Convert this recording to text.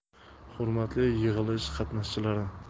hurmatli yig'ilish qatnashchilari